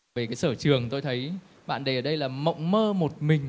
về cái sở trường tôi thấy bạn đề ở đây là mộng mơ một mình